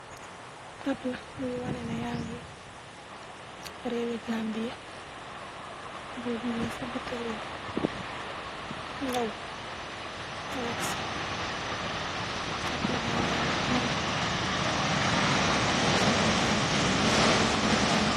Tabla buy wane na yangi réewi gambia boo jógee ca bete réew ñyaw yekse tabla balay waxnela yagsi nga gambi gambia yang lay dalal.